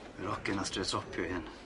Yr ogyn nath drio topio'i hun.